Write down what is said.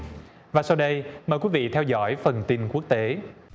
và sau đây mời quý vị theo dõi phần tin quốc tế